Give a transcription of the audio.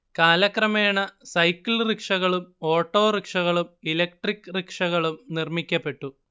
കാലക്രമേണ സൈക്കിൾ റിക്ഷകളും ഓട്ടോറിക്ഷകളും ഇലക്ട്രിക് റിക്ഷകളും നിർമ്മിക്കപ്പെട്ടു